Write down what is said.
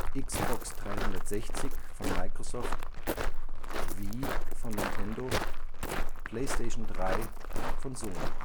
Xbox 360 von Microsoft Wii von Nintendo PlayStation 3 von Sony